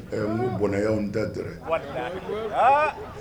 Ɛɛ n ko bɔnɛ y'anw ta dɛrɛ walahi Alahuwakubaru aaaa